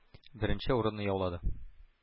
Беренче урынны яулады,